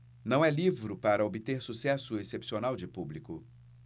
não é livro para obter sucesso excepcional de público